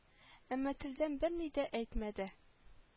Әмма телдән берни дә әйтмәде